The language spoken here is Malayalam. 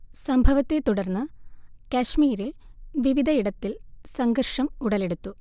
സംഭവത്തെ തുർന്ന് കാശ്മീരിൽ വിവിധ ഇടത്തിൽ സംഘർഷം ഉടലെടുത്തു